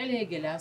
Ye gɛlɛya